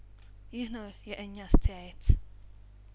ይህ ነው የእኛ አስተያየት